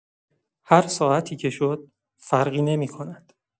هر ساعتی که شد، فرقی نمی‌کند.